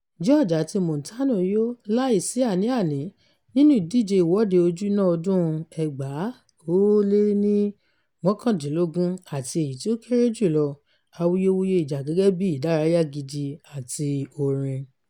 George àti Montano yô, láì sí àní-àní, nínú ìdíje Ìwọ́de Ojúná ọdún 2019 àti èyí tí ó kéré jù lọ, awuyewuye ìjà gẹ́gẹ́ bí ìdárayá gidi àti orin.